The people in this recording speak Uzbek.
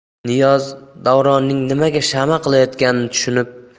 niyoz davronning nimaga shama qilayotganini